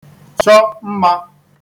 chọ mmā